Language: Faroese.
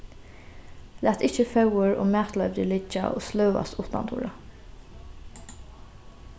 lat ikki fóður og matleivdir liggja og sløðast uttandura